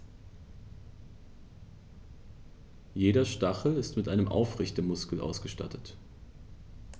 Jeder Stachel ist mit einem Aufrichtemuskel ausgestattet.